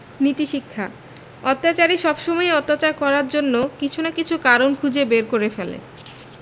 নীতিশিক্ষাঃ অত্যাচারী সবসময়ই অত্যাচার করার জন্য কিছু না কিছু কারণ খুঁজে বার করে ফেলে